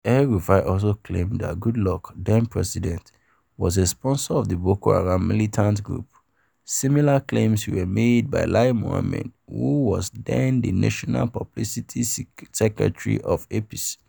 El-Rufai also claimed that Goodluck, then president, was a sponsor of the Boko Haram militant group. Similar claims were made by Lai Mohammed, who was then the National Publicity Secretary of APC.